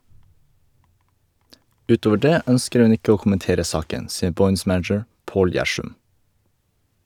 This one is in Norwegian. Utover det ønsker hun ikke å kommentere saken, sier Boines manager Pål Gjersum.